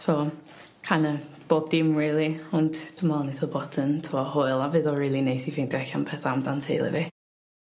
T'mo kin' o' bob dim rili ond dwi me'wl neith bot yn t'mo hwyl a fydd o rili neis i ffeindio allan petha amdan teulu fi.